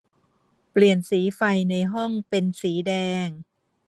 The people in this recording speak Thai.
เปลี่ยนสีไฟในห้องเป็นสีแดง